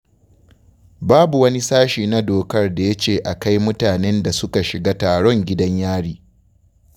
Babu wani sashe na dokar da ya ce a kai mutanen da suka shiga taron gidan Yari.